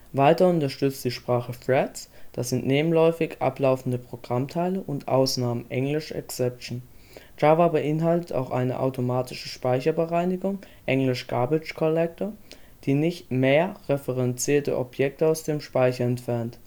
Weiter unterstützt die Sprache Threads (nebenläufig ablaufende Programmteile) und Ausnahmen (englisch exception). Java beinhaltet auch eine automatische Speicherbereinigung (englisch garbage collector), die nicht (mehr) referenzierte Objekte aus dem Speicher entfernt